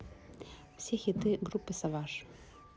все хиты группы savage